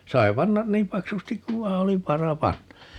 sai panna niin paksusti kun vain oli vara panna